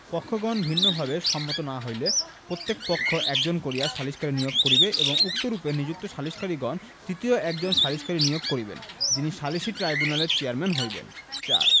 পক্ষগণ ভিন্নভাবে সম্মত না হইলে প্রত্যেক পক্ষ একজন করিয়া সালিসকারী নিয়োগ করিবে এবং উক্তরূপে নিযুক্ত সালিককারীগণ তৃতীয় একজন সালিসকারী নিয়োগ করিবেন যিনি সালিসী ট্রাইব্যুনালের চেয়ারম্যান হইবেন ৪